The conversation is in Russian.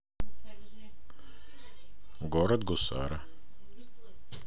город гусара